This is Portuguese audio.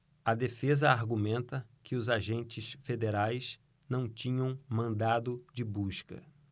a defesa argumenta que os agentes federais não tinham mandado de busca